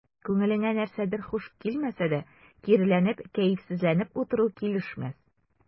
Күңелеңә нәрсәдер хуш килмәсә дә, киреләнеп, кәефсезләнеп утыру килешмәс.